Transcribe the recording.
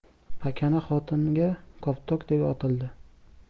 pakana xotinga koptokdek otildi